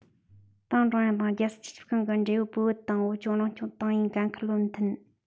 ཏང ཀྲུང དབྱང དང རྒྱལ སྲིད སྤྱི ཁྱབ ཁང གི འབྲེལ ཡོད པུའུ ཨུད དང བོད རང སྐྱོང ལྗོངས ཏང ཨུའི འགན ཁུར བློ མཐུན